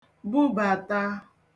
bubàta